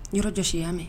Yɔrɔ jɔsi yyaa mɛn